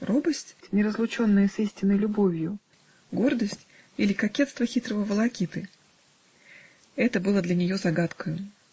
робость, неразлучная с истинною любовию, гордость или кокетство хитрого волокиты? Это было для нее загадкою.